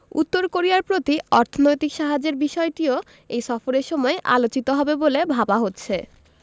উত্তর কোরিয়ার প্রতি অর্থনৈতিক সাহায্যের বিষয়টিও এই সফরের সময় আলোচিত হবে বলে ভাবা হচ্ছে